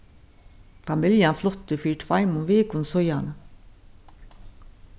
familjan flutti fyri tveimum vikum síðani